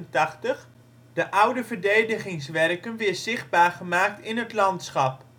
de oude verdedigingswerken weer zichtbaar gemaakt in het landschap